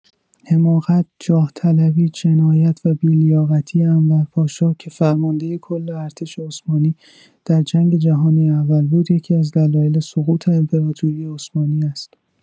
حماقت، جاه‌طلبی، جنایات و بی‌لیاقتی انور پاشا که فرماندۀ کل ارتش عثمانی در جنگ‌جهانی اول بود، یکی‌از دلایل سقوط امپراتوری عثمانی است.